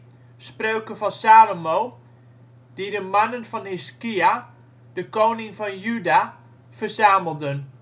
Spreuken van Salomo " die de mannen van Hizkia, de koning van Juda, verzamelden